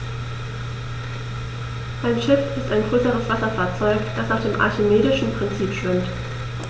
Ein Schiff ist ein größeres Wasserfahrzeug, das nach dem archimedischen Prinzip schwimmt.